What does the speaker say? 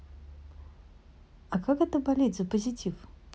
а как это болеть за позитив